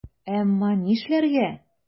Әмма нишләргә?!